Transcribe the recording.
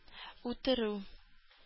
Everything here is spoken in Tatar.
Үтерү